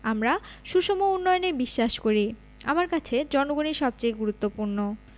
আমরা সুষম উন্নয়নে বিশ্বাস করি আমার কাছে জনগণই সবচেয়ে গুরুত্বপূর্ণ